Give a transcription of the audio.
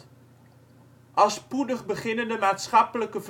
Al spoedig beginnen de maatschappelijke verschoppelingen